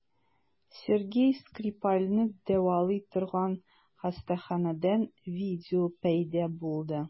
Сергей Скрипальне дәвалый торган хастаханәдән видео пәйда булды.